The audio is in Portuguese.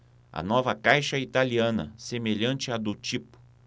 a nova caixa é italiana semelhante à do tipo